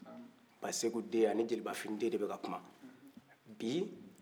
naamu baseku den ani jeliba fini den de bɛ ka kuma bi